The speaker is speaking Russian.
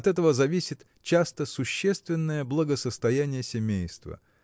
от этого зависит часто существенное благосостояние семейства